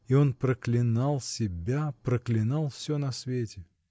и он проклинал себя, проклинал все на свете.